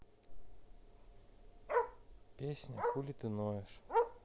песня хули ты ноешь